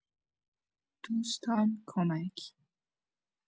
دوستان کمک